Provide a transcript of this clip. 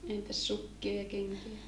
entäs sukkia ja kenkiä